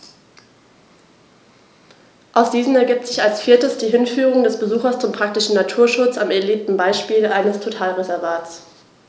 Aus diesen ergibt sich als viertes die Hinführung des Besuchers zum praktischen Naturschutz am erlebten Beispiel eines Totalreservats.